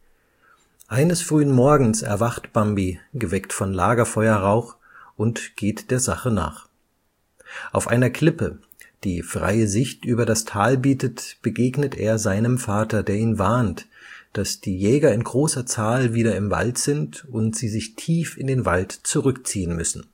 Eines frühen Morgens erwacht Bambi, geweckt von Lagerfeuerrauch, und geht der Sache nach. Auf einer Klippe, die freie Sicht über das Tal bietet, begegnet er seinem Vater, der ihn warnt, dass die Jäger in großer Zahl wieder im Wald sind und sie sich tief in den Wald zurückziehen müssen